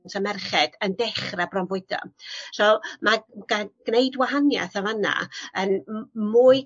o merched yn dechra bronfwydo. So ma' gan- gneud wahaniath yn fan 'na yn m- mwy